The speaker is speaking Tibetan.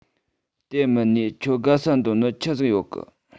དེ མིན ནས ཁྱོའ དགའ ས འདོད ནི ཆི ཟིག ཡོད གི